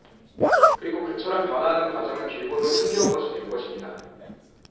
그리고 그처럼 변화하는 과정은 길고도 힘겨운 것이 될 것입니다